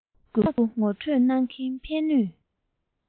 དབྱར རྩྭ དགུན འབུ ངོ སྤྲོད ནང གི ཕན ནུས